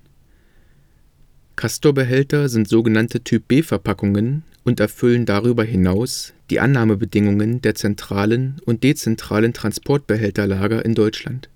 Castor-Behälter sind so genannte Typ-B-Verpackungen und erfüllen darüber hinaus die Annahmebedingungen der zentralen und dezentralen Transportbehälterlager in Deutschland